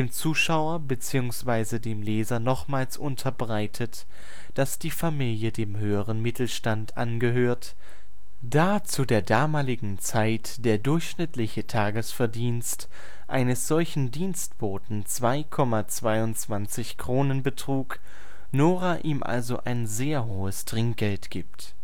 bzw. Leser nochmals unterbreitet, dass die Familie dem höheren Mittelstand angehört, da zu der damaligen Zeit der durchschnittliche Tagesverdienst eines solchen Dienstboten 2,22 Kronen betrug, Nora ihm also ein sehr hohes Trinkgeld gibt